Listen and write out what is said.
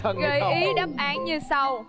gợi ý đáp án như sau